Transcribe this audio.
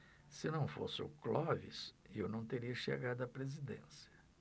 se não fosse o clóvis eu não teria chegado à presidência